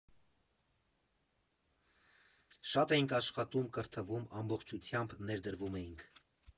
Շատ էինք աշխատում, կրթվում, ամբողջությամբ ներդրվում էինք։